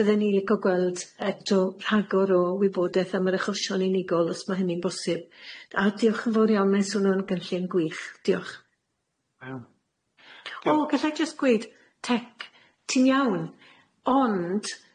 bydden i'n licio gweld eto rhagor o wybodaeth am yr achosion unigol os ma' hynny'n bosib, a diolch yn fowr iawn mae'n swnio'n gynllun gwych, diolch. Iawn? Oo, galla'i jyst gweud tech, ti'n iawn, ond,